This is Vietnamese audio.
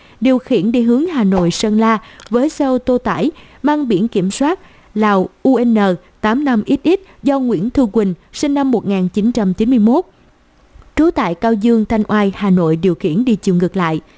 điều khiển đi hướng hà nội sơn la với xe ô tô tải bks lào un xx do nguyễn thư quỳnh điều khiển đi chiều ngược lại